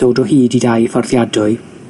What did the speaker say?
dod o hyd i dai fforddiadwy,